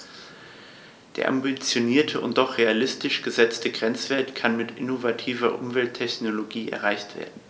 Der ambitionierte und doch realistisch gesetzte Grenzwert kann mit innovativer Umwelttechnologie erreicht werden.